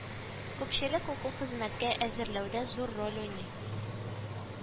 Күпчелек укухезмәткә әзерләүдә зур роль уйный